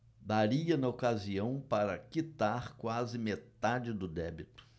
daria na ocasião para quitar quase metade do débito